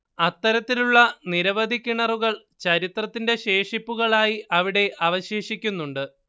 അത്തരത്തിലുള്ള നിരവധി കിണറുകൾ ചരിത്ര ശേഷിപ്പുകളായി അവിടെ അവശേഷിക്കുന്നുണ്ട്